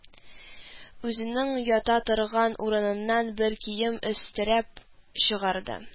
Үзенең ята торган урыныннан бер кием өстерәп чыгарды